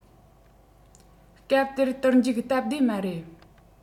སྐབས དེར དུར འཇུག སྟབས བདེ མ རེད